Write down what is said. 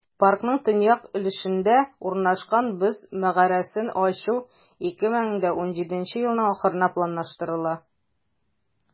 Паркның төньяк өлешендә урнашкан "Боз мәгарәсен" ачу 2017 елның ахырына планлаштырыла.